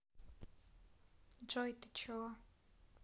джой ты чего